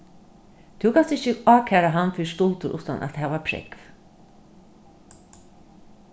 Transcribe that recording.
tú kanst ikki ákæra hann fyri stuldur uttan at hava prógv